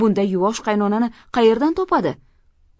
bunday yuvosh qaynonani qayerdan topadi